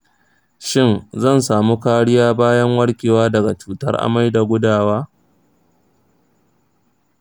shin zan samu kariya bayan warkewa daga cutar amai da gudawa?